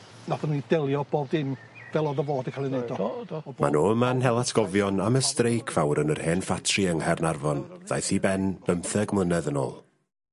nathon n'w i delio bob dim fel o'dd o fod i ca'l 'i neudo. Wel do do. Ma' n'w yma'n hel atgofion am y streic fawr yn yr hen ffatri yng Nghaernarfon ddaeth i ben bymtheg mlynedd yn ôl.